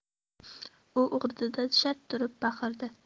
u o'rnidan shart turib baqirdi